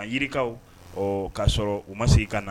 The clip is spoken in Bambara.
A yirikaw ɔ kasɔrɔ u ma segin ka na